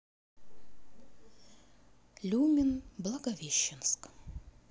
люмен благовещенск